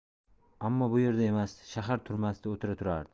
ammo bu yerda emas shahar turmasida o'tira turadi